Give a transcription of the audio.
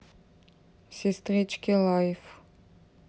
сестрички лайф